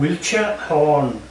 Wiltshire Horn.